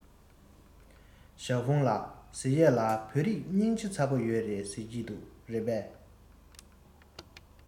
ཞའོ ཧྥུང ལགས ཟེར ཡས ལ བོད རིགས སྙིང རྗེ ཚ པོ ཡོད རེད ཟེར གྱིས རེད པས